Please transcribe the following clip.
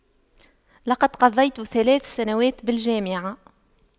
لقد قضيت ثلاث سنوات بالجامعة